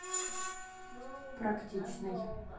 практичный